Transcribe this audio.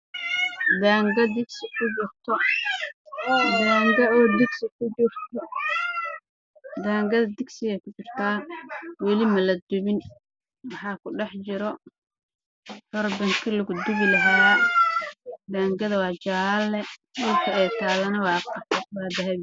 Waa daango oo digsi kujirto wali la dubin wax akujiro wixi lagu dubi lahaa